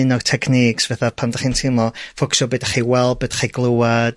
un o'r techniques fetha pan 'dych chi'n teimlo, ffocysio be' 'dach chi weld, be' dach chi glwad.